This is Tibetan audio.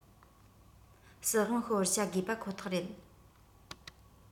སྲིད དབང ཤོར བར བྱ དགོས པ ཁོ ཐག རེད